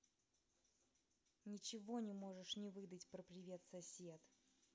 ничего не можешь не выдать про привет сосед